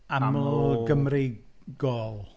Aml Gymreigol.